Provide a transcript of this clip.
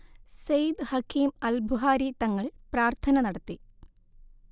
സെയ്ദ് ഹഖീം അൽ ബുഹാരി തങ്ങൾ പ്രാർത്ഥന നടത്തി